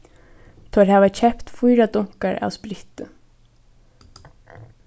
teir hava keypt fýra dunkar av spritti